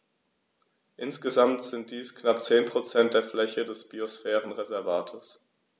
Insgesamt sind dies knapp 10 % der Fläche des Biosphärenreservates.